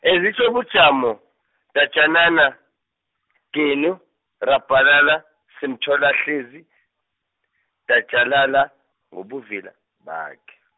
ezitjho ubujamo, datjhalala, genu, rabhalala, simthole ahlezi, datjhalala, ngobuvila, bakhe.